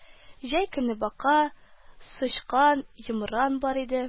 Җәй көне бака, сычкан, йомран бар иде